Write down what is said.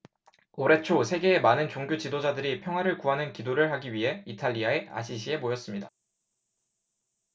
올해 초 세계의 많은 종교 지도자들이 평화를 구하는 기도를 하기 위해 이탈리아의 아시시에 모였습니다